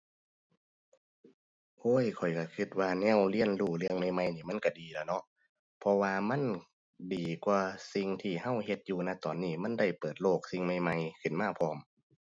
โอ้ย ข้อยก็ก็ว่าแนวเรียนรู้เรื่องใหม่ใหม่นี้มันก็ดีล่ะเนาะ เพราะว่ามันดีกว่าสิ่งที่ก็เฮ็ดอยู่ ณ ตอนนี้ มันได้เปิดโลกสิ่งใหม่ใหม่ขึ้นมาพร้อม